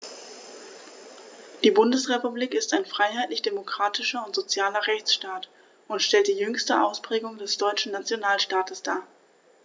Die Bundesrepublik ist ein freiheitlich-demokratischer und sozialer Rechtsstaat und stellt die jüngste Ausprägung des deutschen Nationalstaates dar.